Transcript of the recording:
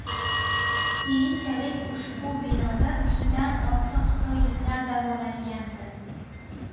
keyinchalik ushbu binoda mingdan ortiq xitoyliklar davolangandi